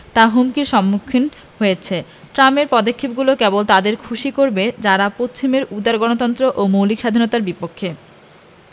তা হুমকির সম্মুখীন হয়েছে ট্রাম্পের পদক্ষেপগুলো কেবল তাদেরই খুশি করবে যারা পশ্চিমের উদার গণতন্ত্র ও মৌলিক স্বাধীনতার বিপক্ষে